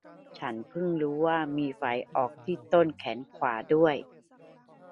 ฉันเพิ่งรู้ว่ามีไฝออกที่ต้นแขนขวาด้วย